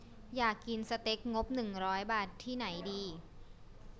อยากกินสเต็กงบหนึ่งร้อยบาทที่ไหนดี